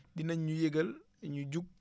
dinañ ñu yëgal ñu jug